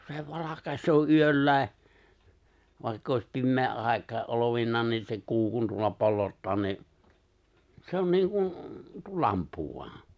se valaisee yölläkin vaikka olisi pimeä aikakin olevinaan niin se kuu kun tuolla pollottaa niin se on niin kuin tuo lamppu vain